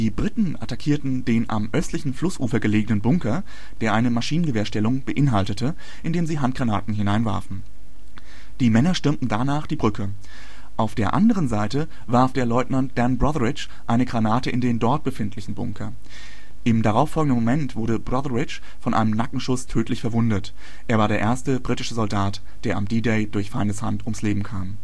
Briten attackierten den am östlichen Flussufer gelegenen Bunker, der eine Maschinengewehrstellung beinhaltete, indem sie Handgranaten hineinwarfen. Die Männer stürmten danach die Brücke. Auf der anderen Seite warf der Lieutenant Den Brotheridge eine Granate in den dort befindlichen Bunker. Im darauf folgenden Moment wurde Brotheridge von einem Nackenschuss tödlich verwundet. Er war der erste britische Soldat, der am D-Day durch Feindeshand ums Leben kam